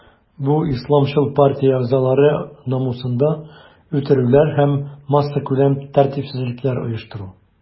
Бу исламчыл партия әгъзалары намусында үтерүләр һәм массакүләм тәртипсезлекләр оештыру.